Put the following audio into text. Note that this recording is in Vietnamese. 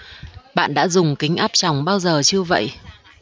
bạn đã dùng kính áp tròng bao giờ chưa vậy